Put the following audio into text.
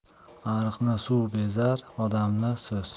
ariqni suv bezar odamni so'z